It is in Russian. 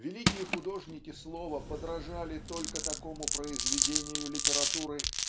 Великие художники слова подражали только такому произведению литературы